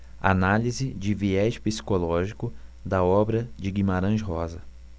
análise de viés psicológico da obra de guimarães rosa